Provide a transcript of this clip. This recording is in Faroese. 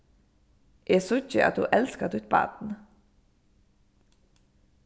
eg síggi at tú elskar títt barn